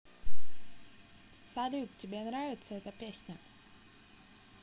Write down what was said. салют тебе нравится эта песня